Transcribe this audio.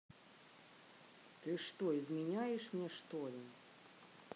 ты что изменяешь мне что ли